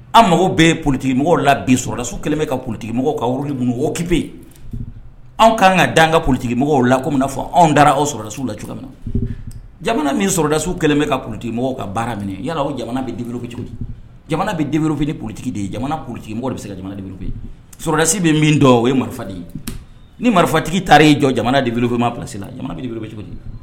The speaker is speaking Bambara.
An mago bɛ politigimɔgɔ la bɛdasiw kelen bɛ ka p kuntigimɔgɔ kauruki anw ka kan ka dan ka kulutigimɔgɔ la komia fɔ anw taara aw sɔrɔdasiw la cogo min na jamana ni sɔrɔdasiw kɛlen bɛ ka p kulutigimɔgɔ ka baara minɛ yala jamana bɛeleoro jamana bɛ denmusoeleorof ni ptigiden ye jamana politigikimɔgɔ de bɛ se kaboro sudasi bɛ min dɔn o ye marifadi ye ni marifatigi taara y'i jɔ jamana debeleorofɛma pla bɛeleoro cogo